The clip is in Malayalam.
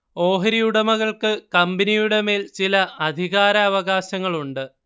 ഓഹരി ഉടമകൾക്ക് കമ്പനിയുടെ മേൽ ചില അധികാര അവകാശങ്ങളുണ്ട്